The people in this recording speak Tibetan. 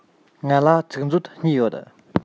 ང ལ ཚིག མཛོད གཉིས ཡོད